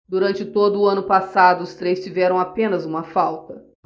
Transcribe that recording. durante todo o ano passado os três tiveram apenas uma falta